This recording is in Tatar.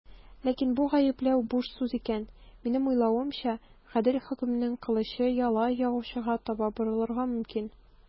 Ләкин бу гаепләү буш сүз икән, минем уйлавымча, гадел хөкемнең кылычы яла ягучыга таба борылырга мөмкин.